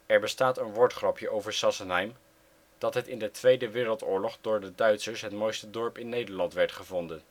Er bestaat een woordgrapje over Sassenheim, dat het in de Tweede Wereldoorlog door de Duitsers het mooiste dorp in Nederland werd gevonden